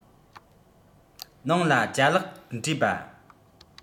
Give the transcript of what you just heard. ནང ལ ཅ ལག འདྲེས པ